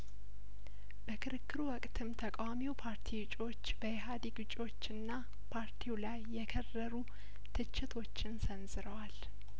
በክርክሩ ወቅትም ተቃዋሚው ፓርቲ እጩዎች በኢህአዴግ እጩዎችና ፓርቲው ላይ የከረሩ ትችቶችን ሰንዝረዋል